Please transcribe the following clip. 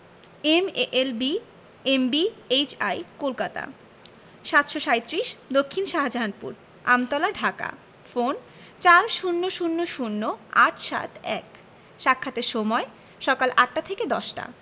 M A L L B M B H I Kolkata ৭৩৭ দক্ষিন শাহজাহানপুর আমতলা ঢাকা ফোনঃ ৪০০০৮৭১ সাক্ষাতের সময়ঃসকাল ৮টা থেকে ১০টা